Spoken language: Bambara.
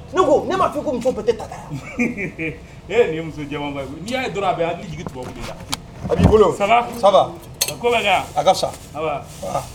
Ne ko ne ma fɔ i bɛɛ tɛ e nin muso n'i'a ye dɔrɔn a a' jigi la a b'i bolo o saba a ka sa